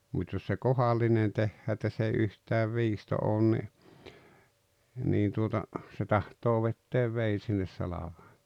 mutta jos se kohdallinen tehdään että se ei yhtään viisto ole niin niin tuota se tahtoo vetää veden sinne -